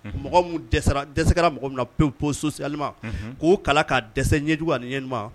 Mɔgɔ dɛsɛ dɛsɛra mɔgɔ min na pe sosili ma k'o kala k'a dɛsɛ ɲɛjugu ani ɲɛ